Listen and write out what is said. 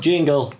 Jingle.